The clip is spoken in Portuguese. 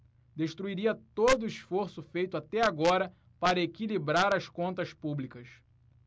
destruiria todo esforço feito até agora para equilibrar as contas públicas